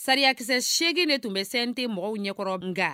Sariyakisɛ8egin de tun bɛ sen tɛ mɔgɔw ɲɛkɔrɔ min kan